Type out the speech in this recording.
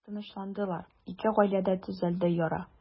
Тынычландылар, ике гаиләдә төзәлде яра.